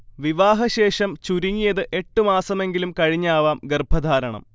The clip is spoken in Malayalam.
വിവാഹശേഷം ചുരുങ്ങിയത് എട്ട് മാസമെങ്കിലും കഴിഞ്ഞാവാം ഗർഭധാരണം